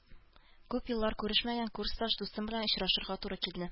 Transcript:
Күп еллар күрешмәгән курсташ дустым белән очрашырга туры килде